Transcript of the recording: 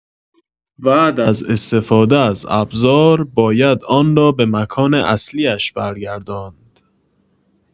بعد از استفاده از ابزار، باید آن را به مکان اصلی‌اش برگرداند.